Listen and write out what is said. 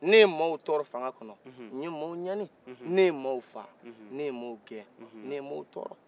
ne ye mɔgɔw tɔɔrɔ fangan kɔnɔ ne ye mɔgɔw ɲanin ne ye mɔgɔw faa ne ye mɔgɔw kɛɲɛ ne ye mɔgɔw tɔɔrɔ